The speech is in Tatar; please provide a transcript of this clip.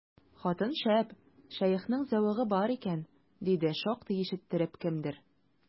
Хатын шәп, шәехнең зәвыгы бар икән, диде шактый ишеттереп кемдер.